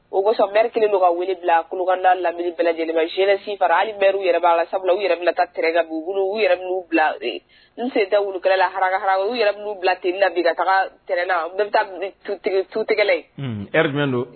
O kosɔnmeri kelen don ka wili bila kukanda lamini bɛɛ lajɛlen ma zyesinfa hali u yɛrɛ b' la sabula u yɛrɛ min ta t u bolo u yɛrɛ bila n sen da wulukɛlala hara u yɛrɛu bila t la bi taga tna su tɛgɛ don